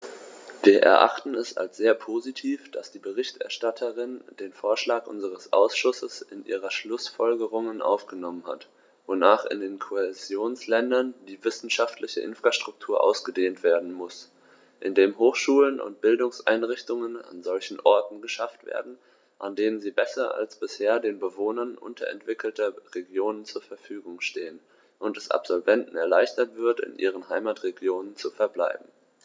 Wir erachten es als sehr positiv, dass die Berichterstatterin den Vorschlag unseres Ausschusses in ihre Schlußfolgerungen aufgenommen hat, wonach in den Kohäsionsländern die wissenschaftliche Infrastruktur ausgedehnt werden muss, indem Hochschulen und Bildungseinrichtungen an solchen Orten geschaffen werden, an denen sie besser als bisher den Bewohnern unterentwickelter Regionen zur Verfügung stehen, und es Absolventen erleichtert wird, in ihren Heimatregionen zu verbleiben.